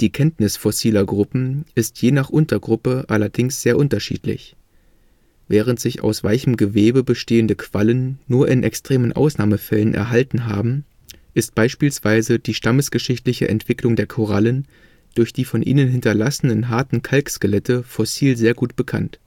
Kenntnis fossiler Gruppen ist je nach Untergruppe allerdings sehr unterschiedlich: Während sich aus weichem Gewebe bestehende Quallen nur in extremen Ausnahmefällen erhalten haben, ist beispielsweise die stammesgeschichtliche Entwicklung der Korallen durch die von ihnen hinterlassenen harten Kalkskelette fossil sehr gut bekannt